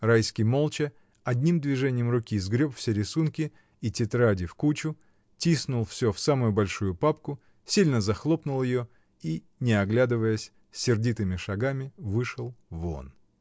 Райский молча, одним движением руки, сгреб все рисунки и тетради в кучу, тиснул всё в самую большую папку, сильно захлопнул ее и, не оглядываясь, сердитыми шагами вышел вон.